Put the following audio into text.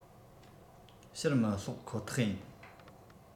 ཕྱིར མི བསློག ཁོ ཐག ཡིན